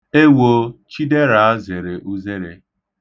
Ewoo! Chidera zere uzere.